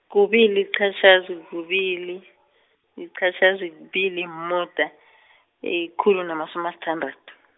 kubili liqhatjhazi, kubili, yiqhatjhazi kubili umuda , yikhulu namasumi asithandathu.